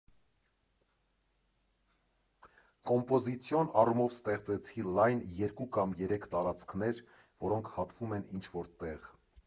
Կոմպոզիցիոն առումով ստեղծեցի լայն, երկու կամ երեք տարածքներ, որոնք հատվում են ինչ֊որ տեղ։